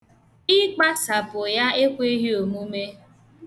Ịkpasapụ ya ekweghị omume